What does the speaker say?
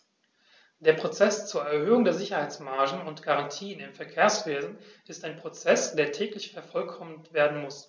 Der Prozess zur Erhöhung der Sicherheitsmargen und -garantien im Verkehrswesen ist ein Prozess, der täglich vervollkommnet werden muss.